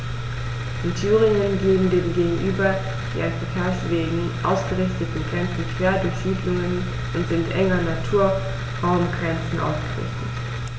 In Thüringen gehen dem gegenüber die an Verkehrswegen ausgerichteten Grenzen quer durch Siedlungen und sind eng an Naturraumgrenzen ausgerichtet.